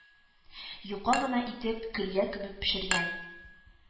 Юка гына итеп көлгә күмеп пешергән